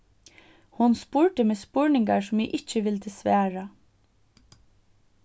hon spurdi meg spurningar sum eg ikki vildi svara